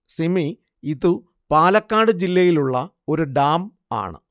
സിമി ഇതു പാലക്കാട് ജില്ലയിലുള്ള ഒരു ഡാം ആണ്